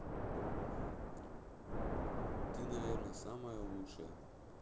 ты наверное самая лучшая